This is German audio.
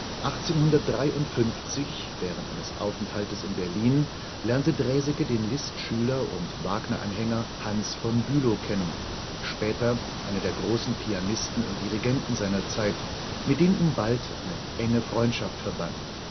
1853, während eines Aufenthaltes in Berlin, lernte Draeseke den Liszt-Schüler und Wagner-Anhänger Hans von Bülow kennen, später einer der großen Pianisten und Dirigenten seiner Zeit, mit dem ihn bald eine enge Freundschaft verband